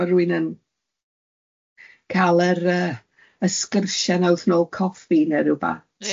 Ma' rywun yn ca'l yr yy y sgyrsia na wth nôl coffi ne rwbath.